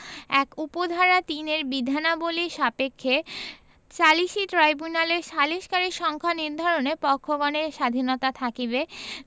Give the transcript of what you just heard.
১ উপ ধারা ৩ এর বিধানাবলী সাপেক্ষে সালিসী ট্রাইব্যুনালের সালিসকারীর সংখ্যা নির্ধারণে পক্ষগণের স্বাধীনতা থাকিবে